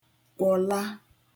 kwọ̀la